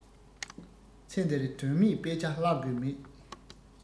ཚེ འདིར དོན མེད དཔེ ཆ བཀླག དགོས མེད